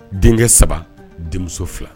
Denkɛ saba denmuso fila